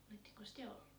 olettekos te ollut